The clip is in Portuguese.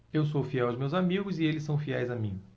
eu sou fiel aos meus amigos e eles são fiéis a mim